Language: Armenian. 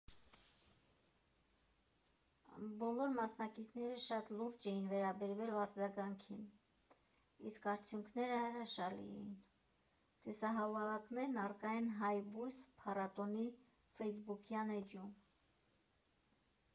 Բոլոր մասնակիցները շատ լուրջ էին վերաբերվել արձագանքին, իսկ արդյունքները հրաշալի էին (տեսահոլովակներն առկա են Հայբույս փառատոնի ֆեյսբուքյան էջում)։